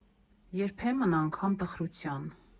Երբեմն անգամ տխրության։